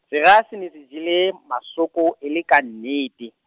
sera se ne se jele, masoko e le ka nnete.